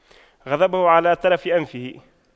غضبه على طرف أنفه